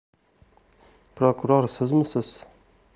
prokuror sizmisiz